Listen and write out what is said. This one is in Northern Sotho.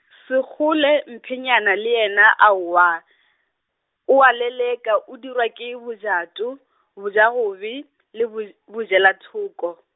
Sekgole Mphonyana le yena aowa , o a leleka o dirwa ke bojato, bojagobe , le boj-, bojelathoko.